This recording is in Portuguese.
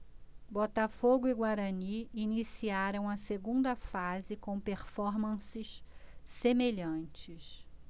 botafogo e guarani iniciaram a segunda fase com performances semelhantes